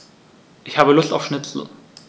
Ich habe Lust auf Schnitzel.